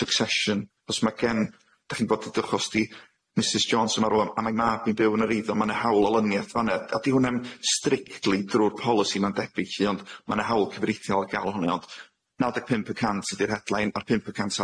succession os ma' gen dach chi'n gwbod y dychos di Mrs Jones yma rŵan a mae'n mab yn byw yn yr eiddon ma' na hawl olynieth fan'na a di hwnna'm strictly drw'r polisi ma'n debyg lly ond ma' na hawl cyfrithiol a ga'l hwnna ond naw deg pump y cant ydi'r headline a'r pump y cant